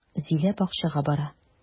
Зилә бакчага бара.